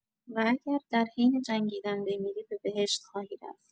و اگر در حین جنگیدن بمیری به بهشت خواهی رفت!